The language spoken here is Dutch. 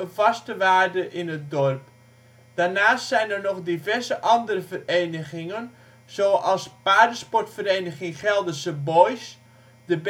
vaste waarde in het dorp. Daarnaast zijn er nog diverse andere verenigingen zoals paardensportvereniging ' Gelderse Boys ', de badmintonvereniging